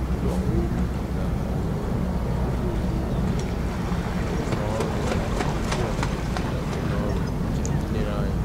ụlọ oriri na ọṅụṅụ, ụlọ oriri na ọṅụṅụ, ụlọọrụ ụgbọnjem na ụlọọrụ njem nlereanya.